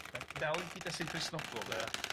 Dal yn gyd-destun Cristnogol de. Ia.